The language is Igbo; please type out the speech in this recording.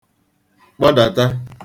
kpọdàta